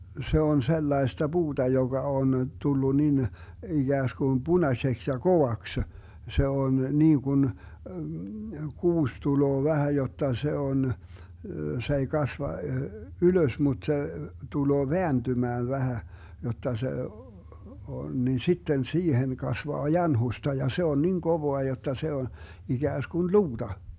se on sellaista puuta joka on tullut niin ikään kuin punaiseksi ja kovaksi se on niin kuin kuusi tulee vähän jotta se on se ei kasva ylös mutta se tulee vääntymään vähän jotta se on niin sitten siihen kasvaa janhusta ja se on niin kovaa jotta se on ikään kuin luuta